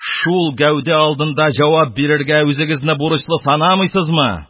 Шул гәүдә алынында җавап бирергә үзегезне бурычлы санамыйсызмы?